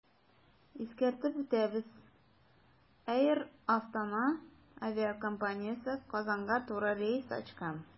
Искәртеп үтәбез, “Эйр Астана” авиакомпаниясе Казанга туры рейс ачкан.